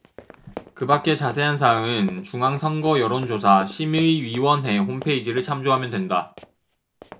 그밖의 자세한 사항은 중앙선거여론조사심의위원회 홈페이지를 참조하면 된다